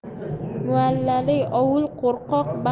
mullali ovul qo'rqoq